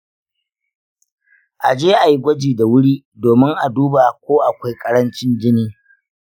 a je a yi gwaji da wuri domin a duba ko akwai ƙarancin jini.